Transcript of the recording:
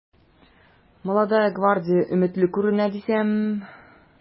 “молодая гвардия” өметле күренә дисәм...